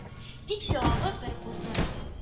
Тик җавабы бер булды: